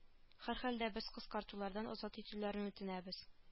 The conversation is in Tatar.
Һәрхәлдә без кыскартулардан азат итүләрен үтенәбез